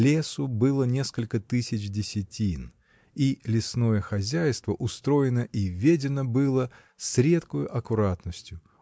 Лесу было несколько тысяч десятин, и лесное хозяйство устроено и ведено было с редкою аккуратностью